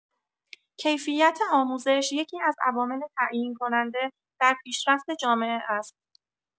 کیفیت آموزش یکی‌از عوامل تعیین‌کننده در پیشرفت جامعه است.